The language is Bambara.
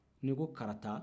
n'i ko karata